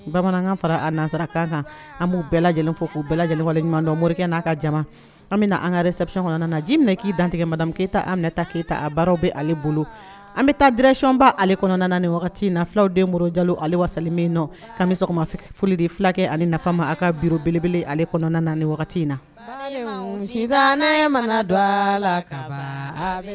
Bamanankan fara a nansara kan kan an b'u bɛɛ lajɛlen fo k'u bɛɛ lajɛlenwaleɲuman dɔn morikɛ n'a ka jama an bɛna na an kaɛrɛ satiy kɔnɔna na ji minɛ k'i dantigɛmadamɛ keyita anta keyita a baaraw bɛ ale bolo an bɛ taa dreconɔnba ale kɔnɔna na ni wagati in na fulawden bolo jalo waali min na kami sɔgɔma foli de filakɛ ani nafa ma a ka bi belebele ale kɔnɔna na ni wagati in natan ne ma don ka